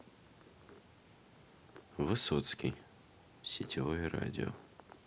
высоцкий сетевое радио